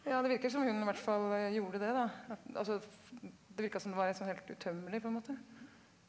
ja det virker som hun hvert fall gjorde det da at, altså det virka som det var en sånn helt utømmelig på en måte.